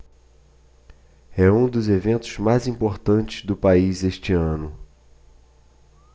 é um dos eventos mais importantes do país este ano